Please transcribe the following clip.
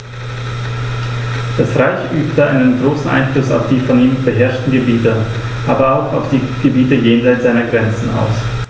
Das Reich übte einen großen Einfluss auf die von ihm beherrschten Gebiete, aber auch auf die Gebiete jenseits seiner Grenzen aus.